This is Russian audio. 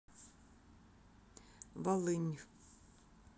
волынь